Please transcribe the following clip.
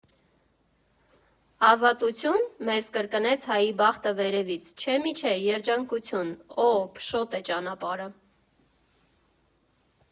«Ազատությո՞ւն», մեզ կրկնեց հայի բախտը վերևից, չէ մի չէ՝ Երջանկություն, ո՛հ, փշոտ է ճանապարհը…